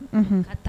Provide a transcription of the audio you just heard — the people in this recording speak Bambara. Unhun